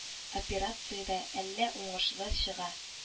Операция дә әллә уңышлы чыга